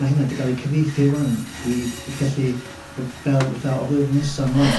ma' hynna 'di ga'l 'i cyfieithu 'wan i g- gallu by- fel fatha o flwyddyn nesa ymlaen